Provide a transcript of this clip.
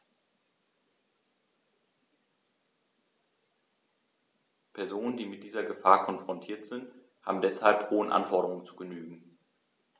Personen, die mit dieser Gefahr konfrontiert sind, haben deshalb hohen Anforderungen zu genügen.